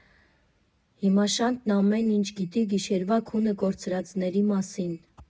Հիմա Շանթն ամեն ինչ գիտի գիշերվա քունը կորցրածների մասին։